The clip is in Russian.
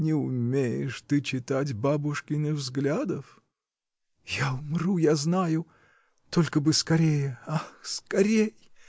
— Не умеешь ты читать бабушкиных взглядов! — Я умру, я знаю! только бы скорей, ах, скорей!